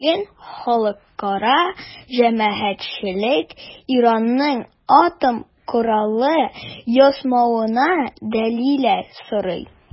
Бүген халыкара җәмәгатьчелек Иранның атом коралы ясамавына дәлилләр сорый.